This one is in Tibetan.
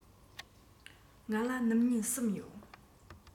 ང ལ སྣུམ སྨྱུག གསུམ ཡོད